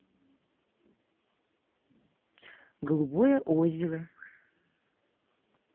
голубое озеро